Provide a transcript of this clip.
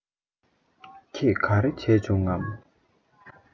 ཁྱེད ག རེད བྱས བྱུང ངམ